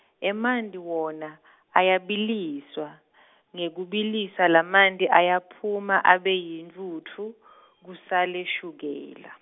emanti wona, ayabiliswa, Ngekubiliswa lamanti ayaphuma abe yintfutfu , kusale shukela.